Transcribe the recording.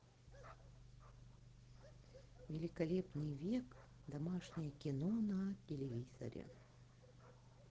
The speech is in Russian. великолепный век домашнее кино на телевизоре